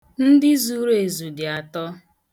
Ndị zuru ezu dị atọ.